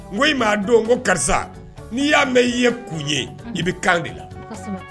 N m'a don ko karisa n'i y'a mɛn ii ye k ye i bɛ kan de la